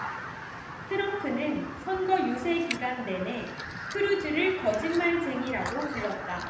트럼프는 선거 유세 기간 내내 크루즈를 거짓말쟁이라고 불렀다